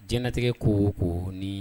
Jtigɛ ko ko ni